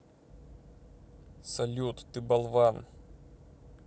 салют ты болван